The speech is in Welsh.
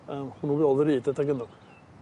yym hwnnw adeg ynw